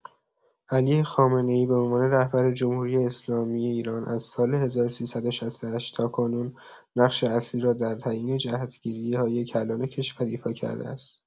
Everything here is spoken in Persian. علی خامنه‌ای به‌عنوان رهبر جمهوری‌اسلامی ایران از سال ۱۳۶۸ تاکنون نقش اصلی را در تعیین جهت‌گیری‌های کلان کشور ایفا کرده است.